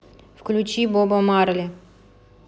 включи боба марли